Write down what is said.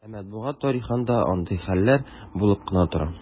Ә матбугат тарихында андый хәлләр булып кына тора.